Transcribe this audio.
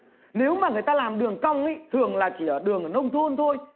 nếu mà người ta làm đường cong ý thường là chỉ ở đường nông thôn thôi